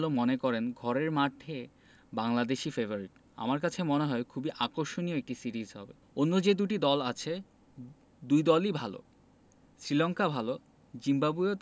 বাংলাদেশের ওপেনার তামিম ইকবালও মনে করেন ঘরের মাঠে বাংলাদেশই ফেবারিট আমার কাছে মনে হয় খুবই আকর্ষণীয় একটা সিরিজ হবে অন্য যে দুটি দল আছে দুই দলই ভালো